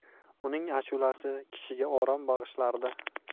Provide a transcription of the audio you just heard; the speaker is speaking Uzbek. uning ashulasi kishiga orom bag'ishlardi